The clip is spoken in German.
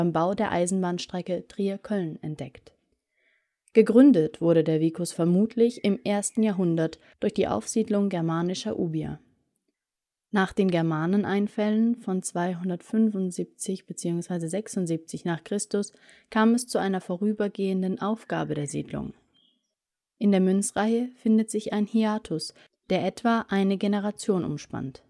Bau der Eisenbahnstrecke Trier-Köln entdeckt. Gegründet wurde der vicus vermutlich im 1. Jahrhundert durch Aufsiedlung germanischer Ubier. Nach den Germaneneinfällen von 275/76 n. Chr. kam es zu einer vorübergehenden Aufgabe der Siedlung. In der Münzreihe findet sich ein Hiatus, der etwa eine Generation umspannt